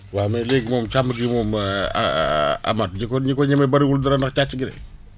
waa mais léegi moom càmm gi moom Amath ñi ko ñi ko ñeme bëriwul dara ndax càcc gi de